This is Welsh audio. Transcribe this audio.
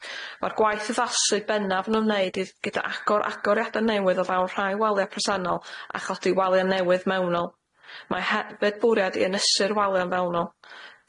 Ma'r gwaith addasu bennaf yn ymwneud i gyda agor agoriada' newydd o fewn rhai walia' presennol a chodi walia' newydd mewnol. Mae he- fedbwriad i ynysu'r walia'n fewnol.